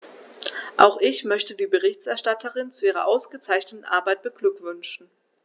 Auch ich möchte die Berichterstatterin zu ihrer ausgezeichneten Arbeit beglückwünschen.